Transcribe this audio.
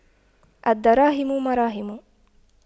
الدراهم مراهم